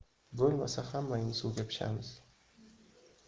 bo'lmasa hammangni suvga pishamiz